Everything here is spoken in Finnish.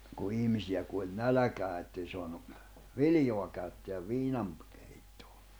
kun ihmisiä kuoli nälkään että ei saanut viljaa käyttää viinan keittoon